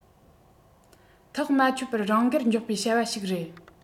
ཐག མ ཆོད པར རང དགར འཇོག པའི བྱ བ ཞིག རེད